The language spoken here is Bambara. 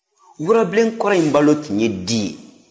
warabilenkɔrɔ in balo tun ye di ye